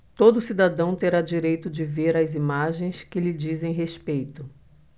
todo cidadão terá direito de ver as imagens que lhe dizem respeito